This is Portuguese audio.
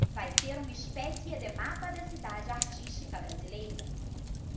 vai ser uma espécie de mapa da cidade artística brasileira